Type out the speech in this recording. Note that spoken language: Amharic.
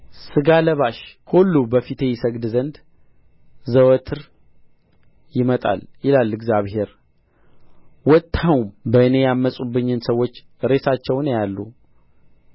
ሥጋ ለባሽ ሁሉ በፊቴ ይሰግድ ዘንድ ዘወትር ይመጣል ይላል እግዚአብሔር ወጥተውም በእኔ ያመፁብኝን ሰዎች ሬሳቸውን ያያሉ